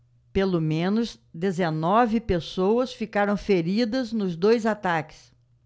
pelo menos dezenove pessoas ficaram feridas nos dois ataques